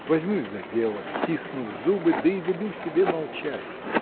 Возьмусь за дело, стиснув зубы, да и велю себе молчать